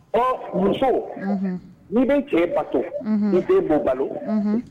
Ɔ muso n bɛ cɛ bato i bɛ bɔ balo